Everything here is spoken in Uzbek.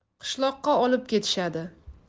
qishloqqa olib ketishadi